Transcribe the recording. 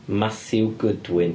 Matthew Goodwin.